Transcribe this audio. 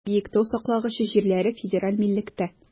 Биектау саклагычы җирләре федераль милектә.